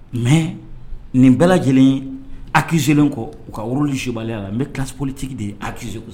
Mais nin bɛɛ lajɛlen accusé len kɔ u ka roles jouer baliya la, n bɛ classe politique de accuser